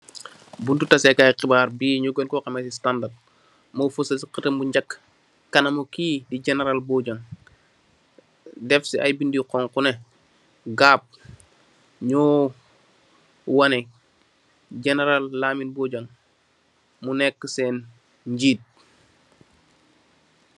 Buntu tasèkai xibar bi di Standard mo fasal ci xatam bu njak kanamu ki di general Bojang def ci ay bindi yu xonxu neh GAP ñoo waneh general Lamin Bojang mu nekka sèèn njit.